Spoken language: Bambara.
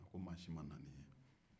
a ko maa si ma na ni n ye